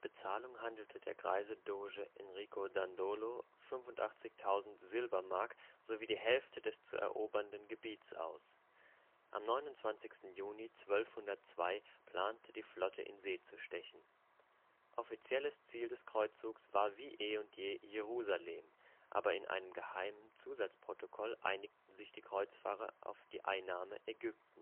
Bezahlung handelte der greise Doge Enrico Dandolo 85.000 Silbermark sowie die Hälfte des zu erobernden Gebiets aus. Am 29. Juni 1202 plante die Flotte in See zu stechen. Offizielles Ziel des Kreuzzugs war wie eh und je Jerusalem, aber in einem geheimen Zusatzprotokoll einigten sich die Kreuzfahrer auf eine Einnahme Ägyptens